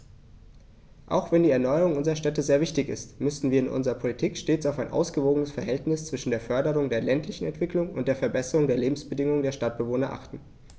Auch wenn die Erneuerung unserer Städte sehr wichtig ist, müssen wir in unserer Politik stets auf ein ausgewogenes Verhältnis zwischen der Förderung der ländlichen Entwicklung und der Verbesserung der Lebensbedingungen der Stadtbewohner achten.